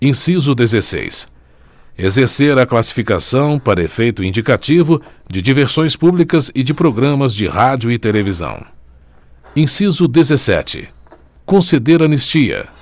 inciso dezesseis exercer a classificação para efeito indicativo de diversões públicas e de programas de rádio e televisão inciso dezessete conceder anistia